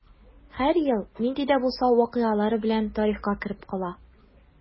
Һәр ел нинди дә булса вакыйгалары белән тарихка кереп кала.